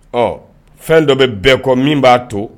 Ɔ fɛn dɔ bɛ bɛɛ kɔ min b'a to